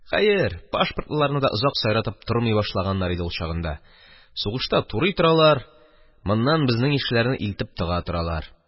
Хәер, пашпортлыларны да озак сайратып тормый башлаганнар иде ул чагында – сугышта турый торалар, моннан безнең ишеләрне илтеп тыга торалар